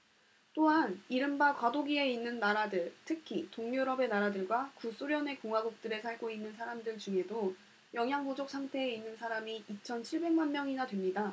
또한 이른바 과도기에 있는 나라들 특히 동유럽의 나라들과 구소련의 공화국들에 살고 있는 사람들 중에도 영양 부족 상태에 있는 사람이 이천 칠백 만 명이나 됩니다